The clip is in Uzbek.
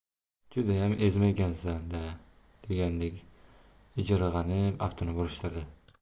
judayam ezma ekansan da degandek ijirg'anib aftini burishtirdi